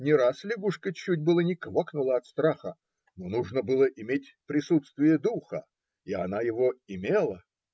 не раз лягушка чуть было не квакала от страха, но нужно было иметь присутствие духа, и она его имела.